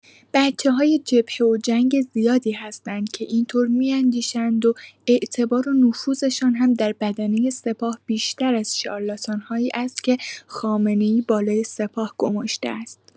بچه‌های جبهه و جنگ زیادی هستند که اینطور می‌اندیشند و اعتبار و نفوذشان هم در بدنه سپاه بیشتر از شارلاتان‌هایی است که خامنه‌ای بالای سپاه گماشته است.